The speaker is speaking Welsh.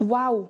Waw.